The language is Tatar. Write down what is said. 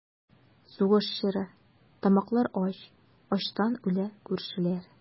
Сугыш чоры, тамаклар ач, Ачтан үлә күршеләр.